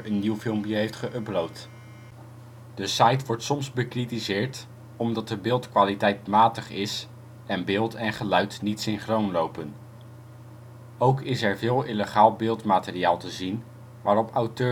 nieuw filmpje heeft geüpload. De site wordt soms bekritiseerd omdat de beeldkwaliteit matig is en beeld en geluid niet synchroon lopen. Ook is er veel illegaal beeldmateriaal te zien waarop auteursrecht